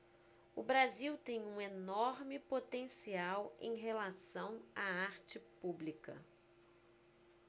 o brasil tem um enorme potencial em relação à arte pública